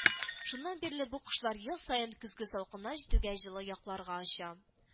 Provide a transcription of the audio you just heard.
Шуннан бирле бу кошлар ел саен көзге салкыннар җитүгә җылы якларга оча